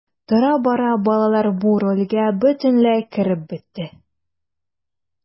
Тора-бара балалар бу рольгә бөтенләй кереп бетте.